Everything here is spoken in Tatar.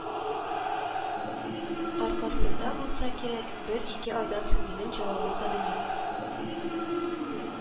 Аркасында булса кирәк, бер-ике айдан соң минем җавабым да дөнья